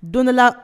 Don dɔla